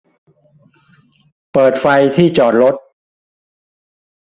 เปิดไฟที่จอดรถ